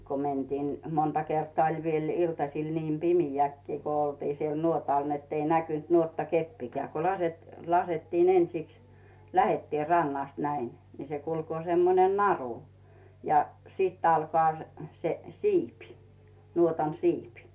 kun mentiin monta kertaa oli vielä iltasilla niin pimeäkin kun oltiin siellä nuotalla niin että ei näkynyt nuottakeppikään kun - laskettiin ensiksi lähdettiin rannasta näin no se kulkee semmoinen naru ja sitten alkaa se se siipi nuotan siipi